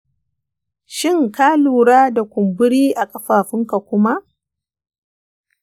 shin ka lura da kumburi a ƙafafunka kuma?